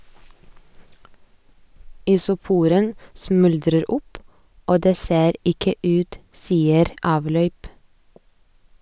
Isoporen smuldrer opp, og det ser ikke ut, sier Avløyp.